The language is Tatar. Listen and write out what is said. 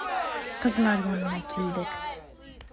Кызлар янына килдек.